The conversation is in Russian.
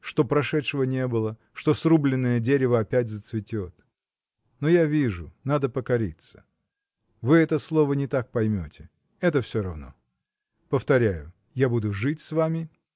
что прошедшего не было, что срубленное дерево опять зацветет. Но я вижу: надо покориться. Вы это слово не так поймете. это все равно. Повторяю. я буду жить с вами.